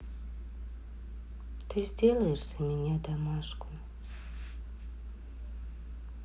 ты сделаешь за меня домашку